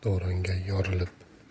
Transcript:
dedi u bir kuni davronga yorilib